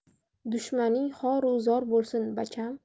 dushmaning xoru zor bo'lsun bacham